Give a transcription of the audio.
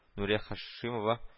Нурия Хашимова